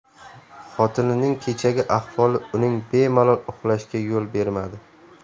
xotinining kechagi ahvoli uning bemalol uxlashiga yo'l bermadi